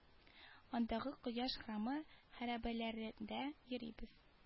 Андагы кояш храмы хәрабәләрендә йөрибез